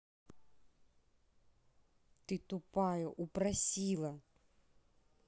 ты тупая упросила